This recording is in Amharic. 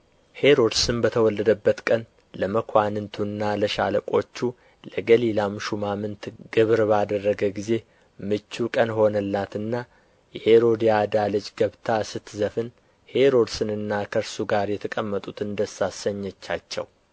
ሄሮድስም በተወለደበት ቀን ለመኳንንቱና ለሻለቆቹ ለገሊላም ሹማምንት ግብር ባደረገ ጊዜ ምቹ ቀን ሆነላትና የሄሮድያዳ ልጅ ገብታ ስትዘፍን ሄሮድስንና ከእርሱ ጋር የተቀመጡትን ደስ አሰኘቻቸው